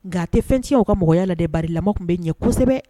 Nka a tɛ fɛn cɛn o ka mɔgɔya la dɛ! Bari lamɔ tun bɛ ɲɛ kosɛbɛ.